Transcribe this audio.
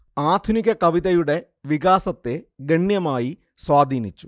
ആധുനിക കവിതയുടെ വികാസത്തെ ഗണ്യമായി സ്വാധീനിച്ചു